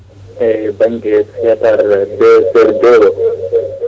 eyyi banggue *